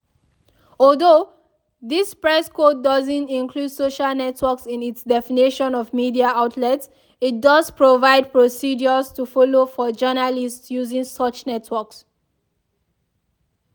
Although this press code doesn’t include social networks in its definition of media outlets, it does provide procedures to follow for journalists using such networks.